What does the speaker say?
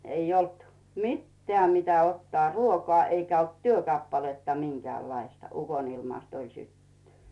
ei ollut mitään mitä ottaa ruokaa eikä ollut työkappaletta minkäänlaista ukonilmasta oli syttynyt